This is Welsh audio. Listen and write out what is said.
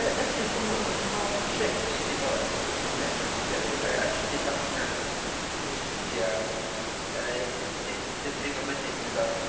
y- yndi, dwi'n meddwl ma' ma' lot o trips 'di bod efo ffrindiau fi a a jyst mynd allan weithia yy d- 'dy dringo mynydd neu wbath.